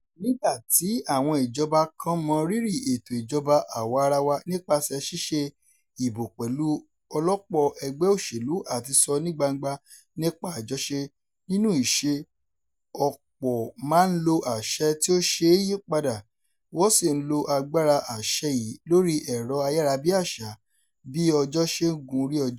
Nígbà tí àwọn ìjọba kan mọ rírì ètò ìjọba àwa-arawa nípasẹ̀ ṣíṣe ìbò pẹ̀lú ọlọ́pọ̀-ẹgbẹ́ òṣèlú àti sọ nígbangba nípa àjọṣe, nínú ìṣe, ọ̀pọ̀ máa ń lo àṣẹ tí ò ṣe é yí padà — wọ́n sì ń lo agbára àṣẹ yìí lórí ẹ̀rọ-ayárabíàṣá bí ọjọ́ ṣe ń gun orí ọjọ́.